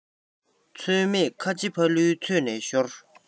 ཚོད མེད ཁ ཆེ ཕ ལུའི ཚོད ནས ཤོར